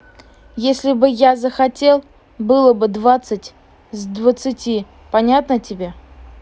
если бы я захотел было бы двадцать с двадцати понятно тебе